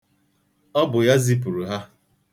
Ọ bụ ya zipụrụ ha.